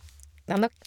Det er nok?